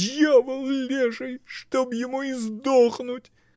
— Дьявол, леший, чтоб ему издохнуть!